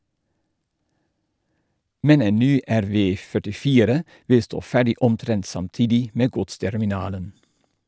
Men en ny RV 44 vil stå ferdig omtrent samtidig med godsterminalen.